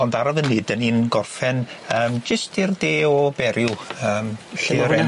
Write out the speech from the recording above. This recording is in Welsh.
Ond ar y funud, 'dan ni'n gorffen yym jyst i'r de o Beryw yym... lle ma' hwnna?